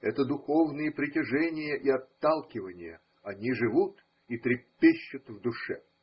Это – духовные притяжения и отталкивания. Они живут и трепещут в душе.